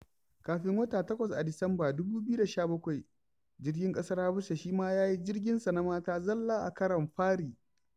Kafin wata takwas a Disamba 2017, jirgin ƙasar Habasha shi ma ya yi jirginsa na mata zalla a karon fari.